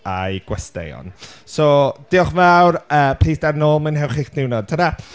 a'i gwesteion. So diolch yn fawr. Yy, plis der nôl. Mwynhewch eich diwrnod. Ta da!